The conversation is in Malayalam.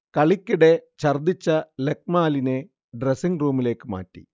കളിക്കിടെ ഛർദിച്ച ലക്മാലിനെ ഡ്രസിങ്ങ് റൂമിലേക്ക് മാറ്റി